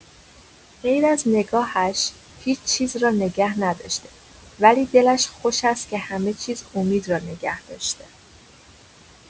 غیراز نگاهش، هیچ‌چیز را نگه نداشته، ولی دلش خوش است که همه‌چیز امید را نگه داشته.